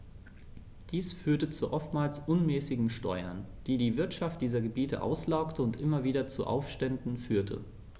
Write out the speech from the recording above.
Dies führte zu oftmals unmäßigen Steuern, die die Wirtschaft dieser Gebiete auslaugte und immer wieder zu Aufständen führte.